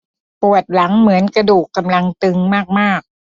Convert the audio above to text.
ปวดหลังเหมือนกระดูกกำลังตึงมากมาก